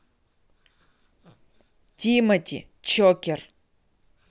тимати чокер